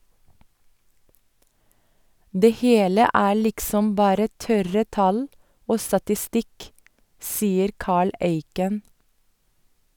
Det hele er liksom bare tørre tall og statistikk, sier Karl Eiken.